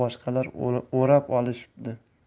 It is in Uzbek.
boshqalar o'rab olishibdi